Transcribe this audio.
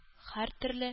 Һәртөрле